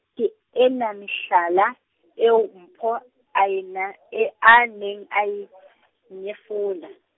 ke ena mehlala, eo Mpho, a e na, e a neng a e, nyefola.